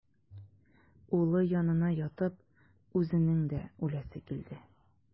Улы янына ятып үзенең дә үләсе килде.